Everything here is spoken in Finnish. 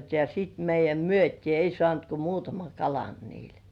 ja sitten meidän myytiin ei saanut kuin muutaman kalan niillä